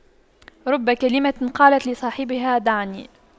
رب كلمة قالت لصاحبها دعني